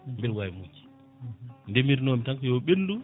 mbeɗa wawi mujde ndeemirnomi tan ko yo ɓendu